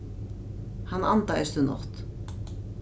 hann andaðist í nátt